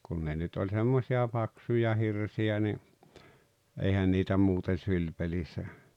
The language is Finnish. kun ne nyt oli semmoisia paksuja hirsiä niin eihän niitä muuten sylipelissä